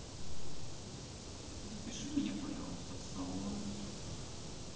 запиши меня пожалуйста в салон